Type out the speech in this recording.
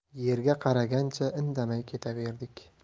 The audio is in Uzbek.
yerga qaragancha indamay ketaverdik